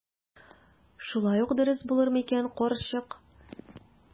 Шулай ук дөрес булыр микән, карчык?